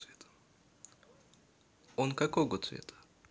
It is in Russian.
он какого цвета